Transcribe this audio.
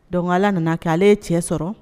Donc Ala na na kɛ ale ye cɛ sɔrɔ.